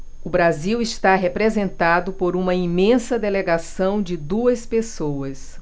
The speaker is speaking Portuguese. o brasil está representado por uma imensa delegação de duas pessoas